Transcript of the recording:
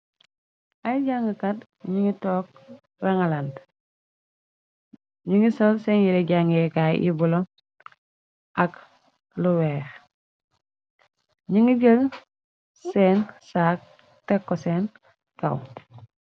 Ay jànga kat ñu ngi took rangaland ñu ngi sol seen yere jangeekaay yi bulo ak loweex ñu ngi jër seen saak tekko seen kaw.